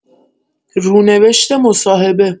رونوشت مصاحبه